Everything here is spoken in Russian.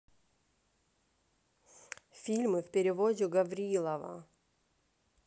фильмы в переводе гаврилова